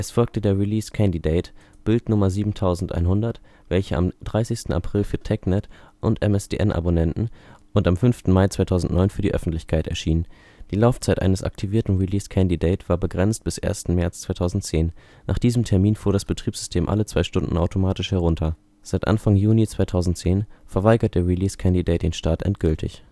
folgte der Release Candidate, Build-Nummer 7100, welcher am 30. April für TechNet - und MSDN-Abonnenten und am 5. Mai 2009 für die Öffentlichkeit erschien. Die Laufzeit eines (aktivierten) Release Candidate war begrenzt bis 1. März 2010. Nach diesem Termin fuhr das Betriebssystem alle zwei Stunden automatisch herunter. Seit Anfang Juni 2010 verweigert der Release Candidate den Start endgültig